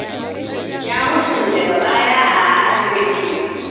Ya mutu daga baya a asibiti.